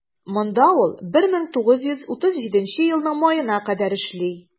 Монда ул 1937 елның маена кадәр эшли.